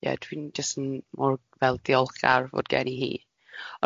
Ie, dwi'n jyst yn mor fel diolchgar fod gen i hi.